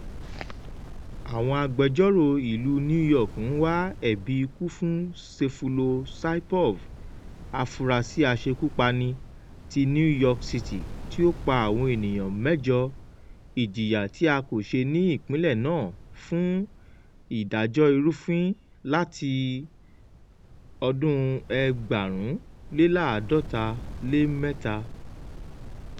Àwọn agbẹjọrò ìlú New York ń wá ẹbi ikú fún Sayfullo Saipov, afurasí aṣekúpani ti New York City tí ó pa àwọn ènìyàn mẹjọ - -ìjìyà tí a kò ṣe ní Ìpínlẹ̀ náà fún ìdájọ́ ìrúfin láti 1953.